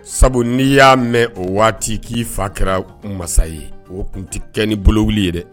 Sabu n'i y'a mɛn o waati k'i fa kɛra masa ye o tun tɛ kɛ ni bolo wuli ye dɛ